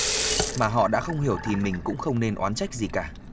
mà họ đã không hiểu thì mình cũng không nên oán trách gì cả